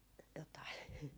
jotakin